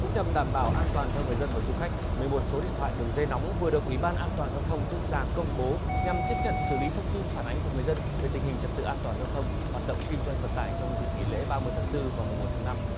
cũng nhằm đảm bảo an toàn cho người dân và du khách mười một số điện thoại đường dây nóng vừa được ủy ban an toàn giao thông quốc gia công bố nhằm tiếp nhận xử lý thông tin phản ánh của người dân về tình hình trật tự an toàn giao thông hoạt động kinh doanh vận tải trong dịp nghỉ lễ ba mươi tháng tư và mùng một tháng năm